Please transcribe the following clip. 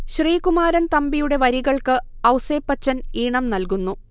ശ്രീകുമാരൻ തമ്പിയുടെ വരികൾക്ക് ഔസേപ്പച്ചൻ ഈണം നൽകുന്നു